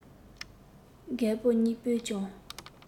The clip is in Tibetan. རྒད པོ གཉིས པོས ཀྱང